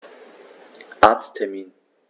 Arzttermin